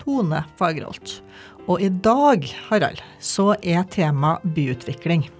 Tone Fagerholt og i dag Harald så er tema byutvikling.